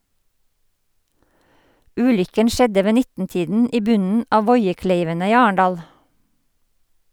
Ulykken skjedde ved 19-tiden i bunnen av Voiekleivene i Arendal.